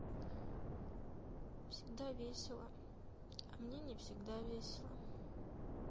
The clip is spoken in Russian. всегда весело а мне не всегда весело